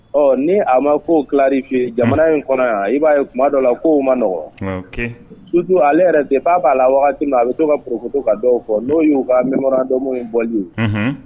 Ɔ ni a ma koo kirifiye jamana in kɔnɔ yan i b'a ye kuma dɔ la'o ma nɔgɔ sutu ale yɛrɛ de fa b'a la waati wagati min a bɛ to katu ka dɔw fɔ n'o y'u ka mɛn dɔn bɔ